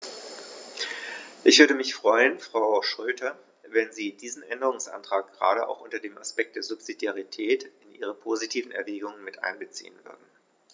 Ich würde mich freuen, Frau Schroedter, wenn Sie diesen Änderungsantrag gerade auch unter dem Aspekt der Subsidiarität in Ihre positiven Erwägungen mit einbeziehen würden.